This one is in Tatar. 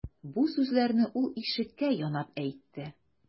Бу сүзләрне ул ишеккә янап әйтте.